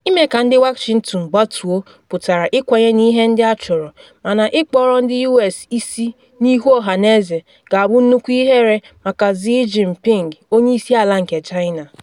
Ịme ka ndị Washington gbatuo pụtara ịkwenye na ihe ndị achọrọ, mana ịkpọọrọ ndị US isi n’ihu ọhaneze ga-abụ nnukwu ihere maka Xi Jinping, onye isi ala nke China.